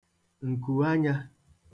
ǹkùanyā